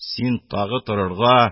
Син тагы торырга,